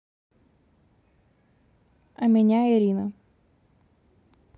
а меня ирина